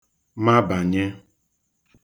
mabà